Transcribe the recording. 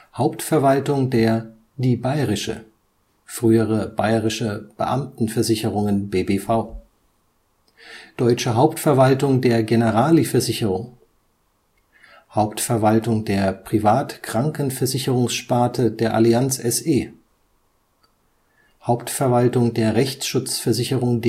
Hauptverwaltung der Die Bayerische, frühere Bayerische Beamten Versicherungen/BBV Deutsche Hauptverwaltung der Generali Versicherung Hauptverwaltung der Privatkrankenversicherungssparte der Allianz SE (vormals Vereinte Versicherungen) Hauptverwaltung der Rechtsschutzversicherung